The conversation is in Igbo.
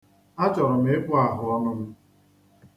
A chọrọ m ịkpụ ahụọnụ m.